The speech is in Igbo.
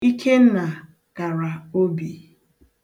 Ikenna kara obi.